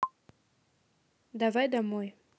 давай домой